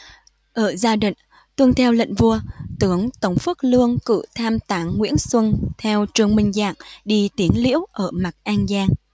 ở gia định tuân theo lệnh vua tướng tống phước lương cử tham tán nguyễn xuân theo trương minh giảng đi tiến tiễu ở mặt an giang